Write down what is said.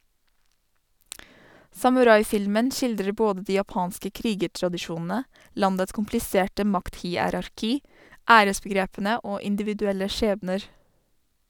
Samuraifilmen skildrer både de japanske krigertradisjonene, landets kompliserte makthierarki, æresbegrepene og individuelle skjebner.